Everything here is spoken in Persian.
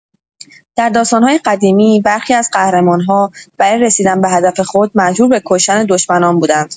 در داستان‌های قدیمی، برخی از قهرمان‌ها برای رسیدن به هدف خود مجبور به کشتن دشمنان بودند.